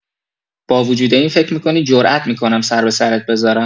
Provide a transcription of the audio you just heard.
باوجود این فکر می‌کنی جرات می‌کنم سربه سرت بذارم؟